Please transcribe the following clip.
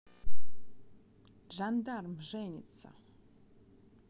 жандарм женится